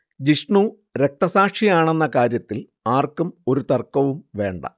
ജിഷ്ണു രക്തസാക്ഷിയാണെന്ന കാര്യത്തിൽ ആർക്കും ഒരു തർക്കവും വേണ്ട